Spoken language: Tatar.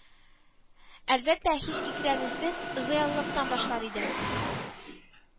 Әлбәттә, һич икеләнүсез, зыялылыктан башлар идем